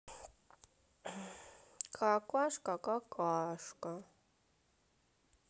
какашка какашка